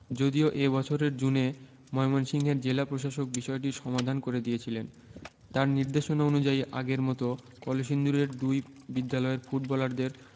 যদিও এ বছরের জুনে ময়মনসিংহের জেলা প্রশাসক বিষয়টির সমাধান করে দিয়েছিলেন তাঁর নির্দেশনা অনুযায়ী আগের মতো কলসিন্দুরের দুই বিদ্যালয়ের ফুটবলারদের